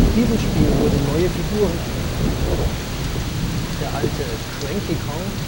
diesem Spiel wurden neue Figuren eingeführt: Der alte Cranky Kong